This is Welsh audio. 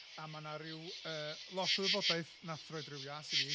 a ma' 'na ryw, yy, lot o wybodaeth wnaeth roid ryw ias i mi,